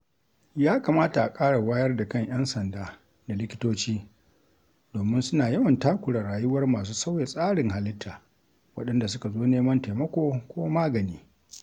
Ya kamata a ƙara wayar da kan 'yan sanda da likitoci domin suna yawan takura rayuwar masu sauya tsarin halitta waɗanda suka zo neman taimako ko magani.